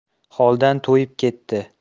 holdan toyib ketdi